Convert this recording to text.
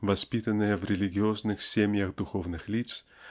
воспитанные в религиозных семьях духовных лиц)